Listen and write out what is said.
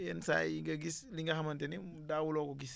yenn saa yi nga gis li nga xamante ni daawuloo ko gis